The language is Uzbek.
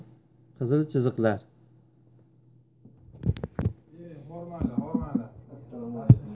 qizil chiziqlar